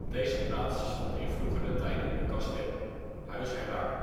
deze plaats stond in vroeger tijden een kasteel (Huys Herlaer